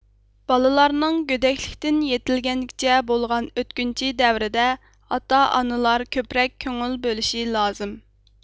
بالىلارنىڭ گۆدەكلىكتىن يېتىلگەنگىچە بولغان ئۆتكۈنچى دەۋرىدە ئاتا ئانىلار كۆپرەك كۆڭۈل بۆلۈشى لازىم